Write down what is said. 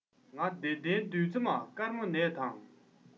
ང བདེ ལྡན བདུད རྩི མ དཀར མོ ནས དང